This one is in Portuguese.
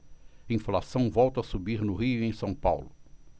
inflação volta a subir no rio e em são paulo